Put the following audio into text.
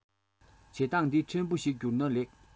བྱེད བཏང འདི ཕྲན བུ ཞིག རྒྱུར ན ལེགས